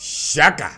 Sika